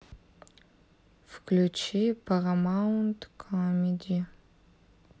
включи парамаунт камеди